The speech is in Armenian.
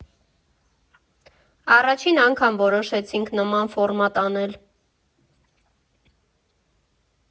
Առաջին անգամ որոշեցինք նման ֆորմատ անել։